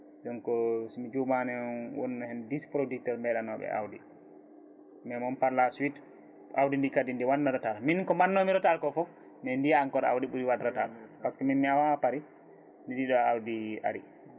joni ko somi jumani won dix producteurs meeɗa nawde awdi mais moom par la suite awdi ndi kadi ndi wanno retard min ko mbannomi retard ko foof mais mi mbiyami koto awdi ɓuuri wadde retard par ce que min mi aw ha paari ndi ɗo awdi aari